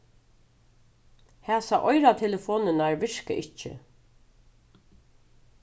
hasar oyratelefonirnar virka ikki